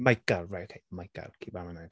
Michael? Right ok Michael, keep that in my mind.